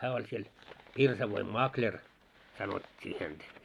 hän oli siellä pirsavoin makleri sanottiin häntä